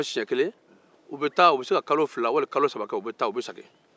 u bɛ se ka kalo fila walima kalo saba kɛ ka segin